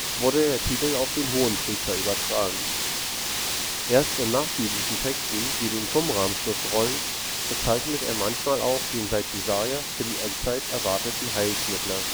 wurde der Titel auf den Hohenpriester übertragen. Erst in nachbiblischen Texten wie den Qumran-Schriftrollen bezeichnete er manchmal auch den seit Jesaja für die Endzeit erwarteten Heilsmittler